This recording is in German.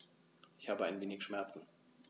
Ich habe ein wenig Schmerzen.